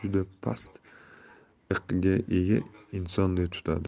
juda past iq'ga ega insonday tutadi